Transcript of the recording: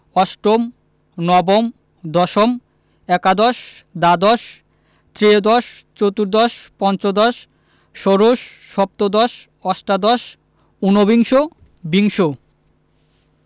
অষ্টম নবম দশম একাদশ দ্বাদশ ত্ৰয়োদশ চতুর্দশ পঞ্চদশ ষোড়শ সপ্তদশ অষ্টাদশ উনবিংশ বিংশ